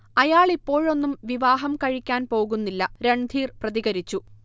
അയാളിപ്പോഴൊന്നും വിവാഹം കഴിക്കാൻ പോകുന്നില്ല- രൺധീർ പ്രതികരിച്ചു